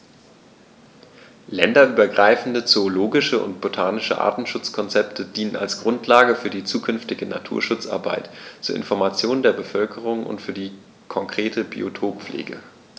Länderübergreifende zoologische und botanische Artenschutzkonzepte dienen als Grundlage für die zukünftige Naturschutzarbeit, zur Information der Bevölkerung und für die konkrete Biotoppflege.